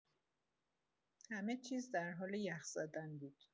همه‌چیز درحال یخ زدن بود.